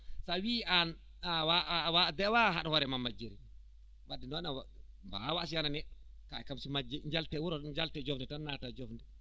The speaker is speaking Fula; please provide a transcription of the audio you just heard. so a wiyii aan a waawa a beewaa haa haɗa hoore maa majjireede wadde noon mbawaa waas yananeede kaake kam so majjii jaltii e wuro njaltii e joofnde tan naatat e joofnde